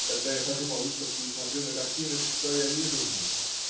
Когда я хожу по выставке и смотрю на картины, что я вижу в них?